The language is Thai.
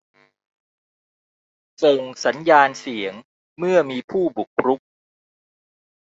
ส่งสัญญาณเสียงเมื่อมีผู้บุกรุก